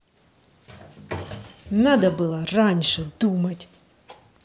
надо было раньше думать